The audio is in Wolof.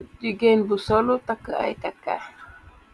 Jigénn bu solu takka ay tekkay.